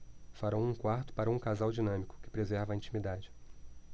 farão um quarto para um casal dinâmico que preserva a intimidade